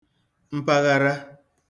mpaghara